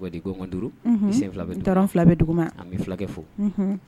Gɔn duuru sen fila bɛ dugu ma a bɛ fulakɛ fo